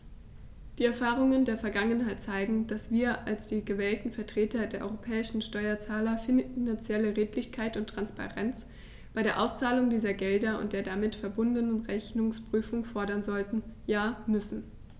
Die Erfahrungen der Vergangenheit zeigen, dass wir als die gewählten Vertreter der europäischen Steuerzahler finanzielle Redlichkeit und Transparenz bei der Auszahlung dieser Gelder und der damit verbundenen Rechnungsprüfung fordern sollten, ja müssen.